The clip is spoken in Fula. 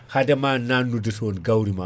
hadema nannude ton gawri ma